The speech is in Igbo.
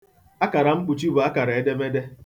Akara mkpuchi bụ akara edemede.